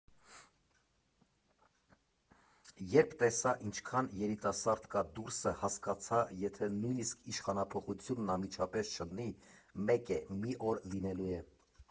Երբ տեսա՝ ինչքան երիտասարդ կա դուրսը, հասկացա՝ եթե նույնիսկ իշխանափոխությունն անմիջապես չլինի, մեկ է՝ մի օր լինելու է։